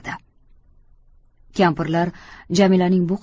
kampirlar jamilaning bu qiliqlarini